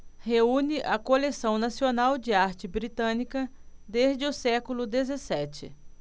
reúne a coleção nacional de arte britânica desde o século dezessete